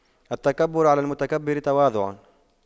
التكبر على المتكبر تواضع